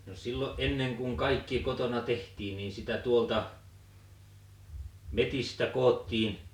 no silloin ennen kun kaikki kotona tehtiin niin sitä tuolta metsistä koottiin